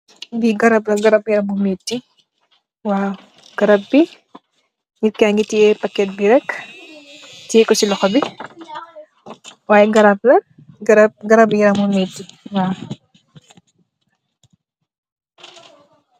Lii garab la, garab i yaram bu meeti. Waaw, garab bi, nit kaa ngi tiye paketu bi rek, tiye ko si loxo bi. Waay garab la, garab i yaram buy meeyi, waaw.